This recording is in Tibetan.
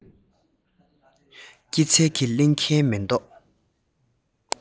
སྐྱེད ཚལ གྱི གླིང གའི མེ ཏོག